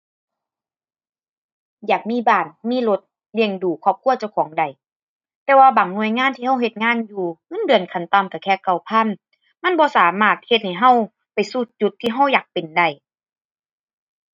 อยากมีบ้าน มีรถ เลี้ยงดูครอบครัวเจ้าของได้ แต่ว่าบางหน่วยงานที่เราเฮ็ดงานอยู่เงินเดือนขั้นต่ำเราแค่เก้าพัน มันบ่สามารถเฮ็ดให้เราไปสู่จุดที่เราอยากเป็นได้